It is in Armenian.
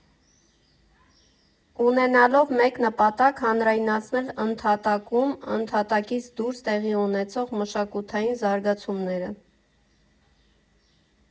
Ունենալով մեկ նպատակ՝ հանրայնացնել ընդհատակում, ընդհատակից դուրս տեղի ունեցող մշակութային զարգացումները։